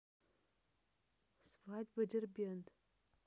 свадьба дербент